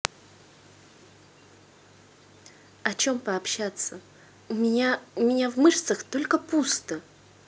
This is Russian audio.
о чем пообщаться у меня у меня в мышцах только пусто